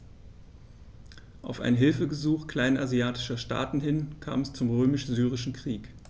Auf ein Hilfegesuch kleinasiatischer Staaten hin kam es zum Römisch-Syrischen Krieg.